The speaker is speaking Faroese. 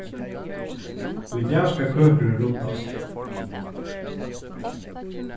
í dag skal køkurin ruddast